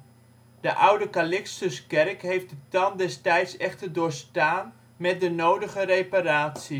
De Oude Calixtuskerk heeft de tand des tijds echter doorstaan, met de nodige reparaties